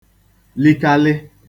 likalị